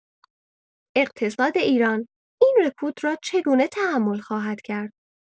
اقتصاد ایران این رکود را چگونه تحمل خواهد کرد؟